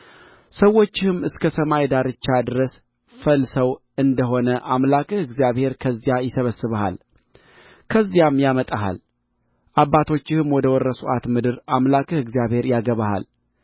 ሰዎችህም እስከ ሰማይ ዳርቻ ድረስ ፈልሰው እንደ ሆነ አምላክህ እግዚአብሔር ከዚያ ይሰበስብሃል ከዚያም ያመጣሃል አባቶችህም ወደ ወረሱአት ምድር አምላክህ እግዚአብሔር ያጋባሃል